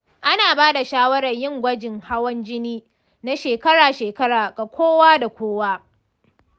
ana ba da shawarar yin gwajin hawan jini na shekara-shekara ga kowa da kowa.